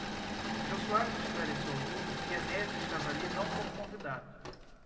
jô soares esclareceu ao público que enéas estava ali não como convidado